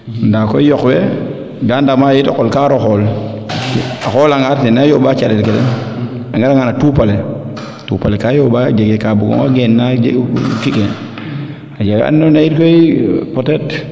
nda koy o qol le ga ndama yit o qol ka waro xool a xoola nga tena yoomba calel ke den a ngara nga na tupa le tupa le ka yoomba jega ka bukuuna geen na xaƴa we ando naye koy peut etre